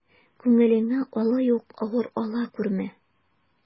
Күңелеңә алай ук авыр ала күрмә.